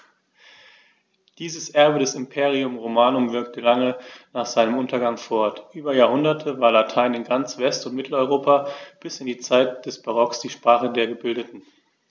Dieses Erbe des Imperium Romanum wirkte lange nach seinem Untergang fort: Über Jahrhunderte war Latein in ganz West- und Mitteleuropa bis in die Zeit des Barock die Sprache der Gebildeten.